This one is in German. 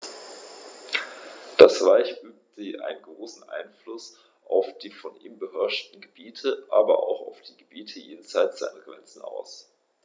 Das Reich übte einen großen Einfluss auf die von ihm beherrschten Gebiete, aber auch auf die Gebiete jenseits seiner Grenzen aus.